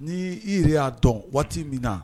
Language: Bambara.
N ni i yɛrɛ y'a dɔn waati min na